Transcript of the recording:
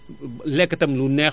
lekk itam lu neex